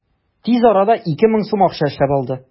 Тиз арада 2000 сум акча эшләп алды.